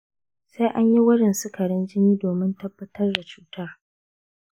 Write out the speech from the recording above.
sai an yi gwajin sukarin jini domin tabbatar da cutar.